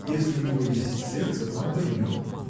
Если у него есть сердце, он поймет.